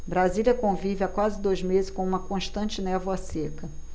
brasília convive há quase dois meses com uma constante névoa seca